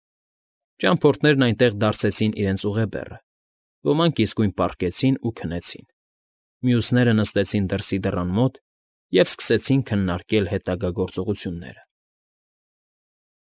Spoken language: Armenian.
Ճամփորդներն այնտեղ դարսեցին իրենց ուղեբեռը, ոմանք իսկույն պառկեցին ու քնեցին, մյուսները նստեցին դրսի դռան մոտ և սկսեցին քննարկել հետագա գործողությունները։